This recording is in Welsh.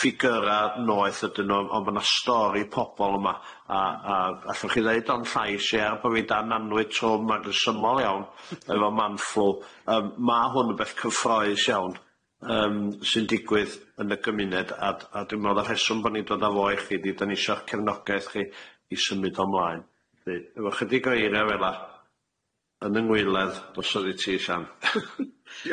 figura noeth ydyn n'w ond ma' na stori pobol yma a a allwch chi ddeud o'n llais i er bo' fi o dan annwyd trwm a dwi'n symol iawn efo man flu yym ma' hwn yn beth cyffrous iawn yym sy'n digwydd yn y gymuned a d- a dwi me'wl na'r rheswm bo' ni'n dod â fo i chi 'di 'dan ni isio'ch cefnogaeth chi i symud o mlaen yy efo chydig o eiria fel'a yn yng ngwaeledd drosodd i ti Siân.